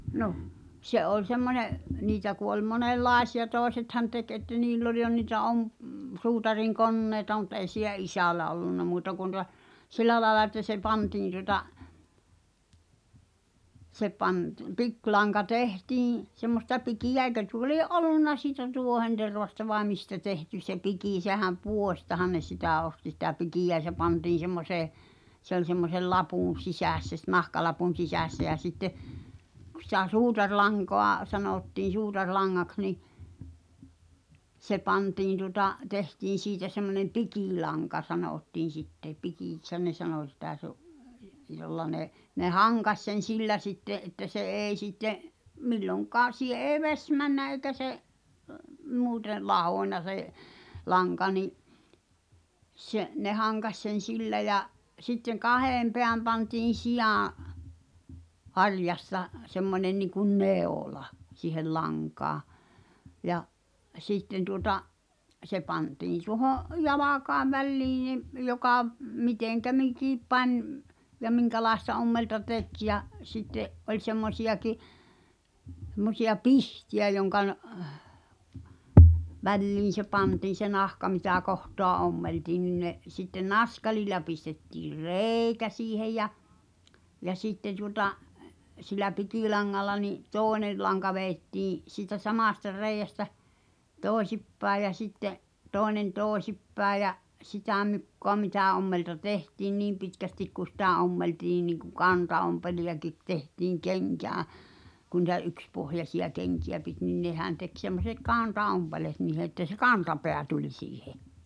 no se oli semmoinen niitä kun oli monenlaisia toisethan teki että niillä oli jo niitä - suutarinkoneita mutta ei sillä isällä ollut muuta kuin tuota sillä lailla että se pantiin tuota se - pikilanka tehtiin semmoista pikeä eikö tuo lie ollut siitä tuohentervasta vai mistä tehty se piki sehän puodistahan ne sitä osti sitä pikeä ja se pantiin semmoiseen se oli semmoisen lapun sisässä - nahkalapun sisässä ja sitten kun sitä suutarilankaa sanottiin suutarilangaksi niin se pantiin tuota tehtiin siitä semmoinen pikilanka sanottiin sitten pikiksihän ne sanoi sitä se on jolla ne ne hankasi sen sillä sitten että se ei sitten milloinkaan siihen ei vesi mennyt eikä se muuten lahonnut se lanka niin se ne hankasi sen sillä ja sitten kahden päin pantiin sian harjasta semmoinen niin kuin neula siihen lankaa ja sitten tuota se pantiin tuohon jalkojen väliin niin joka miten mikin pani - ja minkälaista ommelta teki ja sitten oli semmoisiakin semmoisia pihtejä jonka väliin se pantiin se nahka mitä kohtaa ommeltiin niin ne sitten naskalilla pistettiin reikä siihen ja ja sitten tuota sillä pikilangalla niin toinen lanka vedettiin siitä samasta reiästä toisinpäin ja sitten toinen toisinpäin ja ja sitä mukaa mitä ommelta tehtiin niin pitkästi kun sitä ommeltiin niin kuin kantaompeleitakin tehtiin kenkään kun niitä yksipohjaisia kenkiä piti niin nehän teki semmoiset kantaompeleet niihin että se kantapää tuli siihen